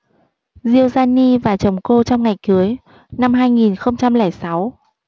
diêu gia ni và chồng cô trong ngày cưới năm hai nghìn không trăm lẻ sáu